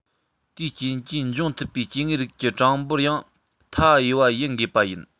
དེའི རྐྱེན གྱིས འབྱུང ཐུབ པའི སྐྱེ དངོས རིགས ཀྱི གྲངས འབོར ཡང མཐའ ཡས པ ཡིན དགོས པ ཡིན